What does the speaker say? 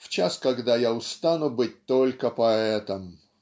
"В час, когда я устану быть только поэтом.